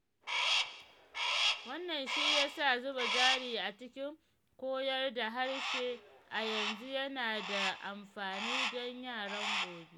Wannan shi ya sa zuba jari a cikin koyar da harshe a yanzu yana da amfani don yaran gobe.